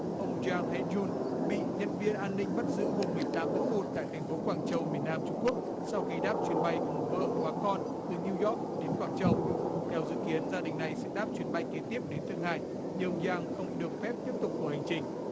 ông giang hay giun bị nhân viên an ninh bắt giữ hôm mười tám tháng một tại thành phố quảng châu miền nam trung quốc sau khi đáp chuyến bay cùng vợ và con từ niu dooc đến quảng châu theo dự kiến gia đình này sẽ đáp chuyến bay kế tiếp đến thượng hải nhưng giang không được phép tiếp tục cuộc hành trình